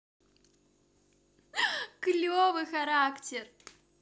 клевый характер